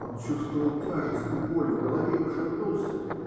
Он чувствовал тяжесть и боль в голове и пошатнулся.